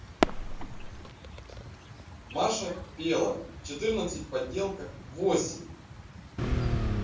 маша пела четырнадцать поделка восемь